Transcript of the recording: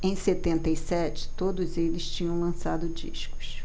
em setenta e sete todos eles tinham lançado discos